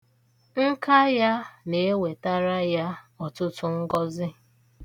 Nka ya na-ewetara ya ọtụtụ ngọzị.